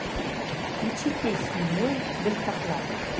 включи песню мой дельтаплан